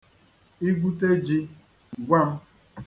I gwute ji, gwa m.